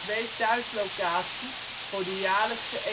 2002 thuislocatie voor de jaarlijkse